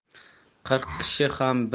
qirq kishi ham